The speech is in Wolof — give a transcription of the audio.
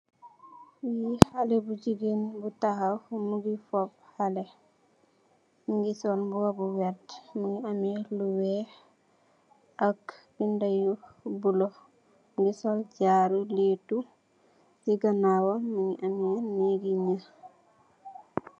Li xale bu jigéen mogi taxaw mu sup bena xale mogi sol mbuba bu wertah mu ameh lu weex ak binda yu bulo mu sol jaaru laytu si kanawam mogi ameh neegi nxaax.